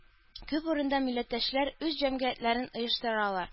Күп урында милләттәшләр үз җәмгыятьләрен оештыралар